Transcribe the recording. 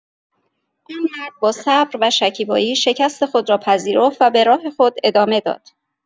آن مرد با صبر و شکیبایی شکست خود را پذیرفت و به راه خود ادامه داد.